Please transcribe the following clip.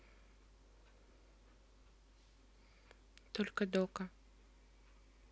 только дока